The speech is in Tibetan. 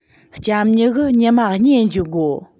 སྐྱ མྱི གིས ཉི མ གཉིས གིས འགྱོ དགོ